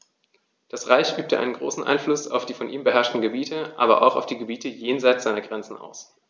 Das Reich übte einen großen Einfluss auf die von ihm beherrschten Gebiete, aber auch auf die Gebiete jenseits seiner Grenzen aus.